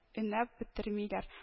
Өнәп бетермиләр